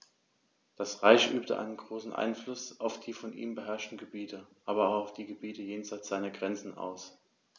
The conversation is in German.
Das Reich übte einen großen Einfluss auf die von ihm beherrschten Gebiete, aber auch auf die Gebiete jenseits seiner Grenzen aus.